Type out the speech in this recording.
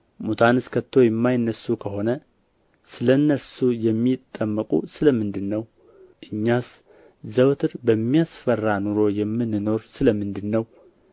ሙታንስ ከቶ የማይነሡ ከሆነ ስለ እነርሱ የሚጠመቁ ስለ ምንድር ነው እኛስ ዘወትር በሚያስፈራ ኑሮ የምንኖር ስለ ምንድር ነው